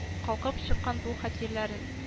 Калкып чыккан бу хатирәләрен